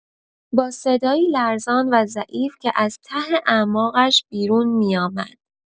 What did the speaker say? با صدایی لرزان و ضعیف که از ته اعماقش بیرون می‌آمد.